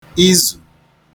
izù